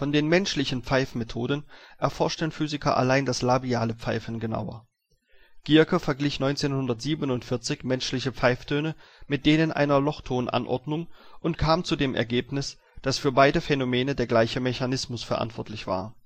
den menschlichen Pfeifmethoden erforschten Physiker allein das labiale Pfeifen genauer. Gierke verglich 1947 menschliche Pfeiftöne mit denen einer Lochtonanordnung und kam zu dem Ergebnis, dass für beide Phänomene der gleiche Mechanismus verantwortlich war